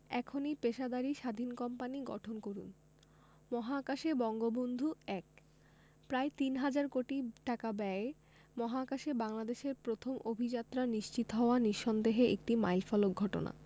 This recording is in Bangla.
এখনই পেশাদারি স্বাধীন কোম্পানি গঠন করুন মহাকাশে বঙ্গবন্ধু ১ প্রায় তিন হাজার কোটি টাকা ব্যয়ে মহাকাশে বাংলাদেশের প্রথম অভিযাত্রা নিশ্চিত হওয়া নিঃসন্দেহে একটি মাইলফলক ঘটনা